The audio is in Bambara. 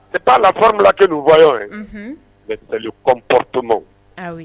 C'est pas la forme là que nous voyons hein unhun mais c'est le comportement ah oui